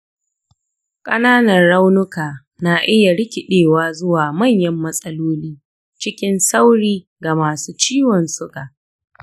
ƙananan raunuka na iya rikidewa zuwa manyan matsaloli cikin sauri ga masu ciwon suga.